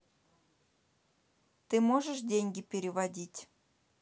ты можешь деньги переводить